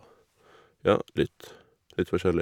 Ja, litt litt forskjellig.